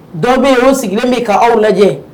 Dɔw bɛ yen o sigilen bɛ k'aw lajɛ